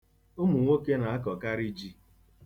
Ụmụ nwoke na-akọkarị ji.